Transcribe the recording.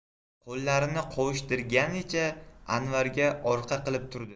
qo'llarini qovushtirganicha anvarga orqa qilib turdi